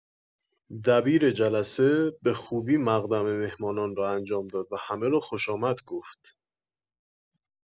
دبیر جلسه، به خوبی مقدم مهمانان را انجام داد و همه را خوشامد گفت.